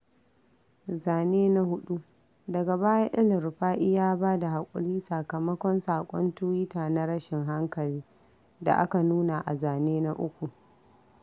Zane na 4: Daga baya El-Rufai ya ba da haƙuri sakamakon saƙon tuwita 'na rashin hankali" da aka nuna a Zane na 3.